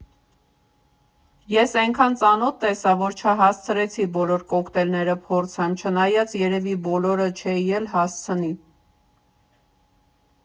Ես էնքան ծանոթ տեսա, որ չհասցրեցի բոլոր կոկտեյլները փորձեմ, չնայած երևի բոլորը չէի էլ հասցնի…